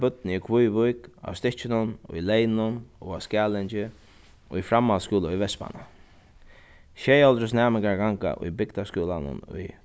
børnini í kvívík á stykkinum í leynum og á skælingi í framhaldsskúla í vestmanna sjeyoghálvtrýss næmingar ganga í bygdarskúlanum í